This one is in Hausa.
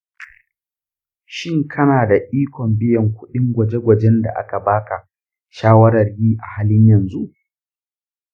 shin kana da ikon biyan kuɗin gwaje-gwajen da aka ba ka shawarar yi a halin yanzu?